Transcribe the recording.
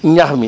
ñax mi